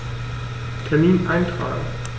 Termin eintragen